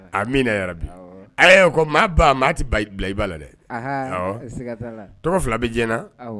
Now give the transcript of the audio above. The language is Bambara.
A min yɛrɛ bi o ko maa ba maa tɛ bila i ba la dɛ tɔgɔ fila bɛ jna